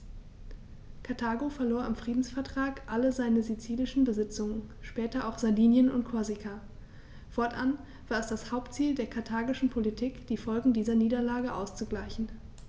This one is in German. Karthago verlor im Friedensvertrag alle seine sizilischen Besitzungen (später auch Sardinien und Korsika); fortan war es das Hauptziel der karthagischen Politik, die Folgen dieser Niederlage auszugleichen.